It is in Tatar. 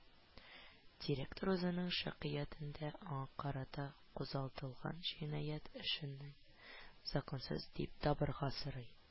Директор үзенең шикаятендә аңа карата кузгатылган җинаять эшенен законсыз дип табарга сорый